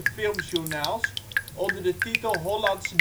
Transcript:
filmjournaals onder de titel ' Hollandsch